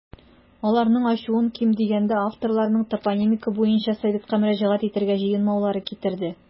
Аларның ачуын, ким дигәндә, авторларның топонимика буенча советка мөрәҗәгать итәргә җыенмаулары китерде.